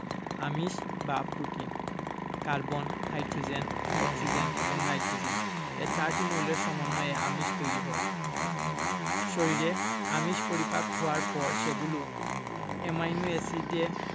আমিষ বা protein carbon hydrogen oxygen এবং নাইট্রোজেন এ চারটি মৌলের সমন্বয়ে আমিষ তৈরি হয় শরীরে আমিষ পরিপাক হওয়ার পর সেগুলো অ্যামাইনো এসিডে